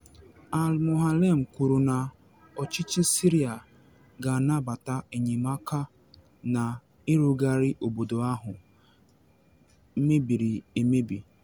Al-Moualem kwuru na ọchịchị Syria ga-anabata enyemaka na ịrụgharị obodo ahụ mebiri emebi.